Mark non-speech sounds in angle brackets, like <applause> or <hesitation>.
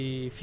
<hesitation> <hesitation>